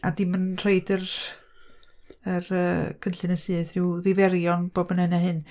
A di'm yn rhoid yr, yr yy, cynllun yn syth, rhyw ddiferion bob yn hyn a hyn.